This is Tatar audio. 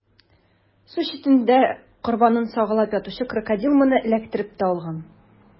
Су читендә корбанын сагалап ятучы Крокодил моны эләктереп тә алган.